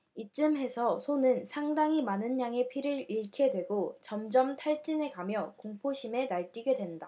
이쯤에서 소는 상당히 많은 양의 피를 잃게 되고 점점 탈진해 가며 공포심에 날뛰게 된다